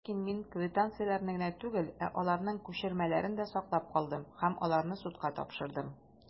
Ләкин мин квитанцияләрне генә түгел, ә аларның күчермәләрен дә саклап калдым, һәм аларны судка тапшырдым.